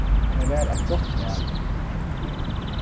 tað var eitt gott val